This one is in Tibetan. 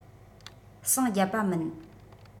ཟིང རྒྱབ པ མིན